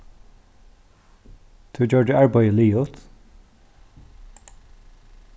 tú gjørdi arbeiðið liðugt